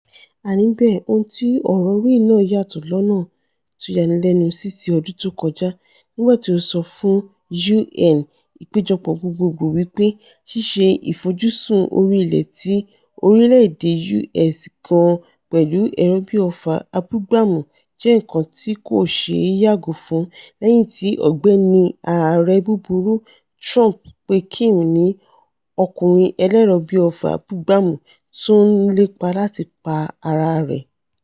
Àní bẹ́ẹ̀, ohun ti ọ̀rọ̀ Ri náà yàtọ̀ lọ́nà tóyanilẹ́nu sí ti ọdún tókọjá, nígbà tí o sọ fún U.N. Ìpéjọpọ̀ Gbogbogbòò wí pé ṣíṣe àfojúsùn ori-ilẹ̀ ti orílẹ̀-èdè U.S gan-an pẹ̀lú ẹ̀rọ̀-bí-ọfà abúgbàmù jẹ́ nǹkan tí kòṣeé yàgò fún lẹ́yìn tí ''Ọ̀gbẹ́ni Ààrẹ Búburú'' Trump pe Kim ni ''ọkùnrin ẹlẹ́ẹ̀rọ̀-bí-ọfà abúgbàmù'' tó ńlépa láti pa ara rẹ̀.